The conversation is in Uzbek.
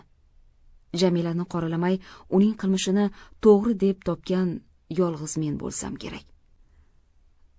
jamilani qoralamay uning qilmishini to'g'ri deb topgan yolg'iz men bo'lsam kerak